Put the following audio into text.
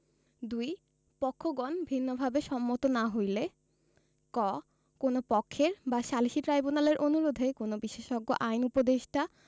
২ পক্ষগণ ভিন্নভাবে সম্মত না হইলে ক কোন পক্ষের বা সালিসী ট্রাইব্যুনালের অনুরোধে কোন বিশেষজ্ঞ আইন উপদেষ্টা